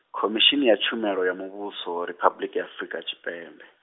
Khomishini ya Tshumelo ya Muvhuso Riphabuḽiki ya Afrika Tshipembe.